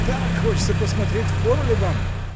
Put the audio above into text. — Так, хочется посмотреть, впору ли вам.